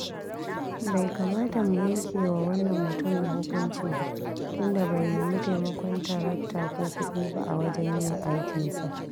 Bai kamata mu yanke wa wannan mutumin hukunci ba, tun da bai nemi taimakon tarakta ko kuɗi ba a wajen yi aikinsa.